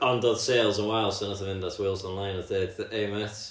ond oedd sales yn wael so nath o fynd at Wales Online a deud "hei mêt"